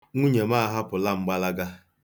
Nwunye m ahapụgo m gbanaba